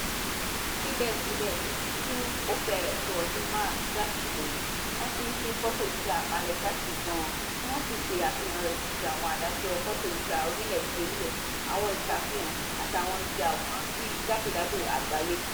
Síbẹ̀síbẹ̀, fún ó fèrẹ́ tó ọdún márùn-ún sí àsìkò yìí, wọ́n ti ń pín fọ́tọ̀yíyà Malagasy gan-an tí wọ́n sì ṣe àfihàn rẹ̀ níbi àwọn àyájọ̀ fọ́tọ̀yíyà orílẹ̀-sí-orílẹ̀, àwọn ìsàfihàn, àti àwọn ibi àwòrántí jákèjádò àgbáyé.